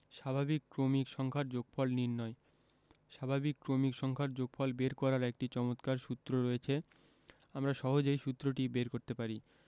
স্বাভাবিক ক্রমিক সংখ্যার যোগফল নির্ণয় স্বাভাবিক ক্রমিক সংখ্যার যোগফল বের করার একটি চমৎকার সূত্র রয়েছে আমরা সহজেই সুত্রটি বের করতে পারি